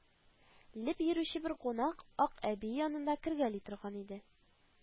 Леп йөрүче бер кунак акъәби янына кергәли торган иде